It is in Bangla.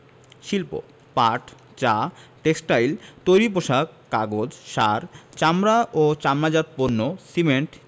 শিল্পঃ পাট চা টেক্সটাইল তৈরি পোশাক কাগজ সার চামড়া ও চামড়াজাত পণ্য সিমেন্ট